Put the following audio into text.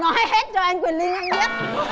nói hết cho anh quyền linh anh biết